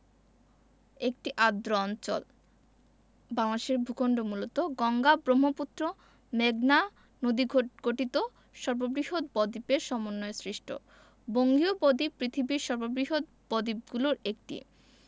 একটি আর্দ্র অঞ্চল বাংলাদেশের ভূখন্ড মূলত গঙ্গা ব্রহ্মপুত্র মেঘনা নদীগঠিত সুবৃহৎ বদ্বীপের সমন্বয়ে সৃষ্ট বঙ্গীয় বদ্বীপ পৃথিবীর সর্ববৃহৎ বদ্বীপগুলোর একটি